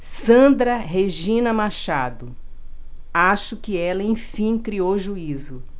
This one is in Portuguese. sandra regina machado acho que ela enfim criou juízo